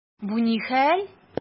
Бу ни хәл!